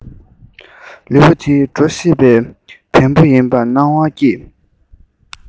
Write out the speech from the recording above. ལུས པོ འདི འགྲོ ཤེས པའི བེམ པོ ཡིན པའི སྣང བ སྐྱེས